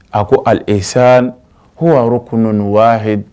A ko alisa ko araro ko wahi